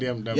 ndiyam ɗam